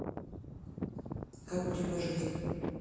как у тебя жизнь